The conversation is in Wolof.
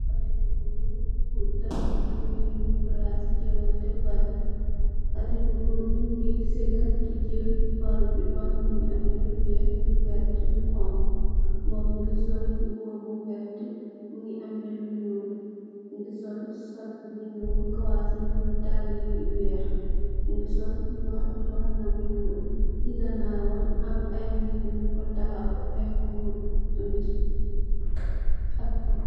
Xalé bu góor muy daw si birr palaas i jongante Kaay bal. Xale bu Goor bi mu ngi sëggë di jël bal bi...mu ngi sol mbuba bu werta, mu ngi amee lu ñuul, mu ngi sol sot bu ñuul, kawaas yu ñuul, dallë yu weex, mu ngi sol mbaxana bu ñuul, si ganaawam mu ngi ay nit yu fa taxaw, ay goor.